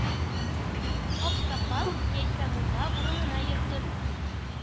Аксакал яисә мулла урынына йөртеп,